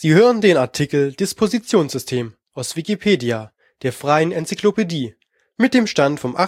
hören den Artikel Dispositionssystem, aus Wikipedia, der freien Enzyklopädie. Mit dem Stand vom